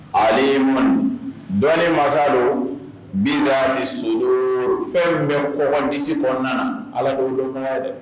Alimmune dɔnni mansa don, bizaaati ssuduuri _ fɛn min bɛ kɔkɔdisi kɔnɔna la